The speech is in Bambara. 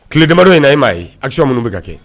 Tile damaruyari in na a ye maaa ye asi minnu bɛ ka kɛ